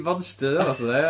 Monster rywbeth oedd o ia?